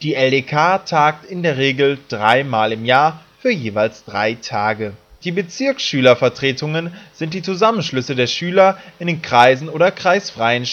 LDK tagt i.d.R. drei mal im Jahr für jeweils 3 Tage. Die Bezirksschülervertretungen sind die Zusammenschlüsse der Schüler in den Kreisen oder kreisfreien